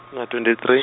na twenty three.